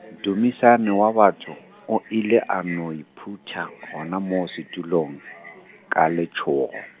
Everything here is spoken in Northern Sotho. Dumisane wa batho, o ile a no iphutha gona moo setulong , ka letšhogo.